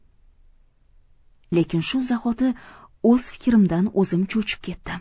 lekin shu zahoti o'z fikrimdan o'zim cho'chib ketdim